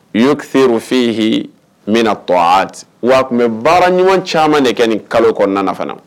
wa tun bɛ baara ɲuman caman de kɛ nin kalo kɔnɔna na fana